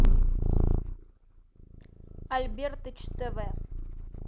альбертыч тв